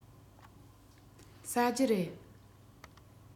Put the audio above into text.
ཟ རྒྱུ རེད